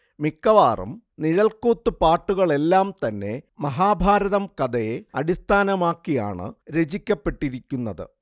മിക്കവാറും നിഴൽക്കുത്തുപാട്ടുകളെല്ലാം തന്നെ മഹാഭാരതം കഥയെ അടിസ്ഥാനമാക്കിയാണു രചിക്കപ്പെട്ടിരിക്കുന്നത്